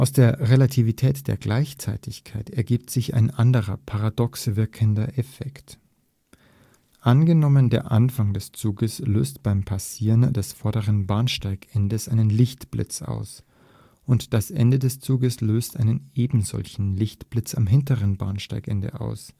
der Relativität der Gleichzeitigkeit ergibt sich ein anderer, paradox wirkender Effekt: Angenommen, der Anfang des Zuges (vgl. Einsteins Gedankenexperiment) löst beim Passieren des vorderen Bahnsteigendes einen Lichtblitz aus und das Ende des Zuges löst einen ebensolchen Lichtblitz am hinteren Bahnsteigende aus